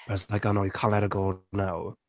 I was like, oh no, you can't let her go now.